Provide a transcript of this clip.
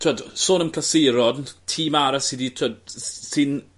T'wod sôn am clasuron tîm arall sy 'di t'wod s- s- sy'n